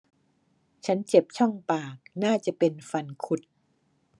ฉันเจ็บช่องปากน่าจะเป็นฟันคุด